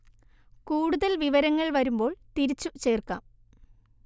കൂടുതൽ വിവരങ്ങൾ വരുമ്പോൾ തിരിച്ചു ചേർക്കാം